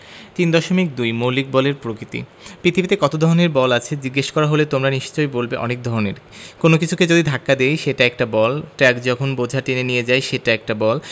3.2 মৌলিক বলের প্রকৃতিঃ পৃথিবীতে কত ধরনের বল আছে জিজ্ঞেস করা হলে তোমরা নিশ্চয়ই বলবে অনেক ধরনের কোনো কিছুকে যদি ধাক্কা দিই সেটা একটা বল ট্রাক যখন বোঝা টেনে নিয়ে যায় সেটা একটা বল